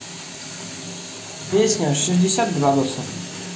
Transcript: песня шестьдесят градусов